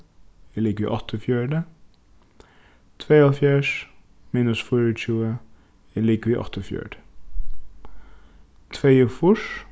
er ligvið áttaogfjøruti tveyoghálvfjerðs minus fýraogtjúgu er ligvið áttaogfjøruti tveyogfýrs